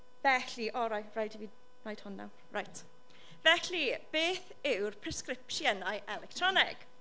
Felly, o rhaid... rhaid i fi neud hwn nawr... Reit, felly beth yw'r presgripsiynau electronig?